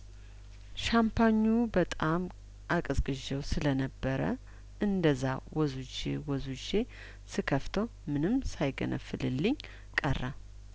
ሻምፓኙ በጣም አቀዝቅዤው ስለነበረ እንደዛ ወዝውዤ ወዝውዤ ስከፍተው ምንም ሳይገነፍልልኝ ቀረ